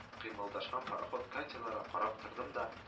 Кыймылдашкан пароход-катерларга карап тордым да